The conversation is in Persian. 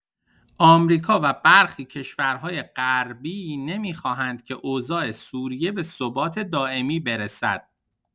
آمریکا و برخی کشورهای غربی نمی‌خواهند که اوضاع سوریه به ثبات دائمی برسد.